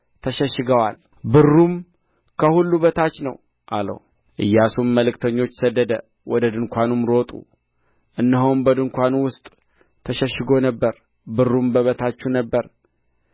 ተሸሽገዋል ብሩም ከሁሉ በታች ነው አለው ኢያሱም መልክተኞች ሰደደ ወደ ድንኳኑም ሮጡ እነሆም በድንኳኑ ውስጥ ተሸሽጎ ነበር ብሩም በበታቹ ነበረ